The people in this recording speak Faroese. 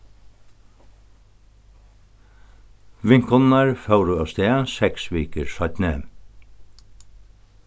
vinkonurnar fóru avstað seks vikur seinni